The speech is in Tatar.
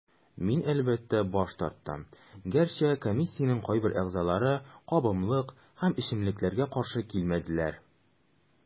Мин, әлбәттә, баш тарттым, гәрчә комиссиянең кайбер әгъзаләре кабымлык һәм эчемлекләргә каршы килмәделәр.